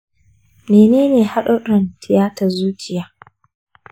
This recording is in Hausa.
menene haɗurran tiyatar zuciya?